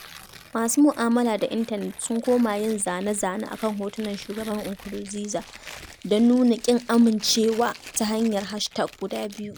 Masu mu'amala da intanet sun koma yin zane-zane a kan hotunan Shugban Nkurunziza don nuna ƙin amincewa ta hanyar hashtag guda biyu